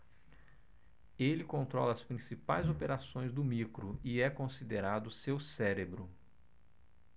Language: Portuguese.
ele controla as principais operações do micro e é considerado seu cérebro